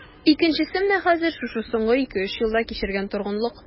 Икенчесе менә хәзер, шушы соңгы ике-өч елда кичергән торгынлык...